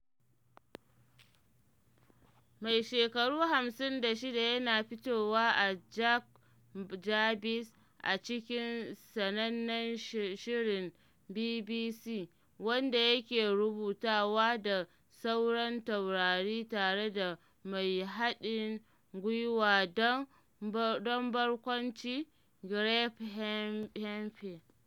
Mai shekaru 56 yana fitowa a Jack Jarvis a cikin sanannen shirin BBC, wanda yake rubutawa da sauran taurari tare da mai haɗn gwiwa dan barkwanci Greg Hemphill.